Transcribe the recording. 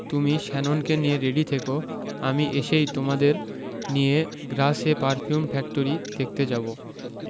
তুমি শ্যাননকে নিয়ে রেডি থেকো আমি এসেই তোমাদের নিয়ে গ্রাসে পারফিউম ফ্যাক্টরি দেখতে যাবো